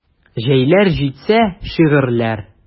Җәйләр җитсә: шигырьләр.